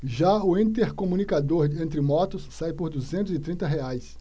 já o intercomunicador entre motos sai por duzentos e trinta reais